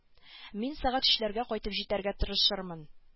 Мин сәгать өчләргә кайтып җитәргә тырышырмын